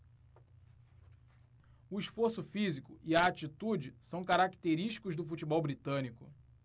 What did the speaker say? o esforço físico e a atitude são característicos do futebol britânico